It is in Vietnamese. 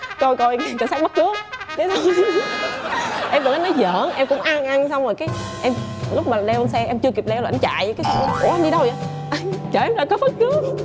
coi coi cảnh sát bắp cướp thế xong em tưởng anh nói giỡn em cũng ăn ăn xong rồi cí em lúc mà leo lên xe em chưa kịp leo là anh chạy ủa anh đi đâu dợ chở em ra coi bắt cướp